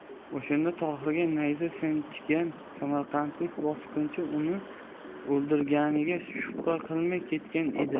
o'shanda tohirga nayza sanchgan samarqandlik bosqinchi uni o'ldirganiga shubha qilmay ketgan edi